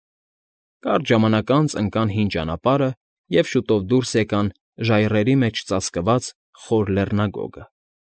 Կարճ ժամանակ անց ընկան հին ճանապարհը և շուտով դուրս եկան ժայռերի մեջ ծածկված խոր լեռնագոգը։